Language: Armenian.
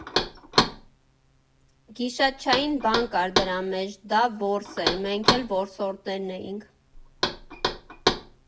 Գիշատչային բան կար դրա մեջ, դա որս էր, մենք էլ որսորդներ էինք։